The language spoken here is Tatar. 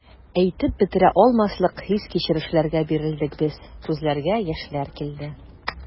Әйтеп бетерә алмаслык хис-кичерешләргә бирелдек без, күзләргә яшьләр килде.